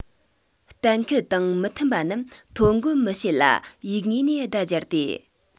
གཏན འཁེལ དང མི མཐུན པ རྣམས ཐོ འགོད མི བྱེད ལ ཡིག ངོས ནས བརྡ སྦྱར ཏེ